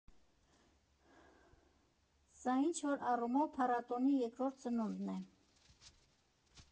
Սա ինչ֊որ առումով փառատոնի երկրորդ ծնունդն է։